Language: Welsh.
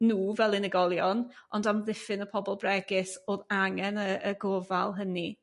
nhw fel unigolion ond amddiffyn y pobol bregus o'dd angen yrr y gofal hynny.